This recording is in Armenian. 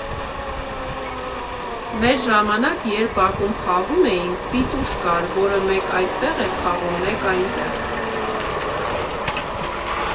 Մեր ժամանակ, երբ բակում խաղում էինք, «պիտուշ» կար, որը մեկ այստեղ էր խաղում, մեկ՝ այնտեղ։